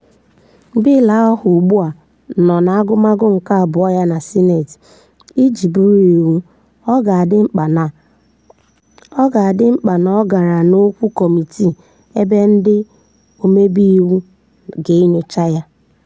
Bịịlụ ahụ ugbu a nọ n'agụmagụ nke abụọ ya na Sineetị. Iji bụrụ iwu, ọ ga-adị mkpa na ọ gara n'ọkwa kọmitii ebe ndị omebe iwu ga-enyocha ya.